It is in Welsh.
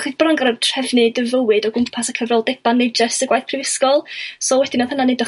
dwmbo ochdi bron yn goro trefnu dy fywyd o gwmpas y cyfroldeba' dim jest y gwaith prifysgol so o'dd hyna wedyn yn neud o